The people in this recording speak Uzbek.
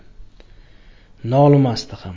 nolimasdi ham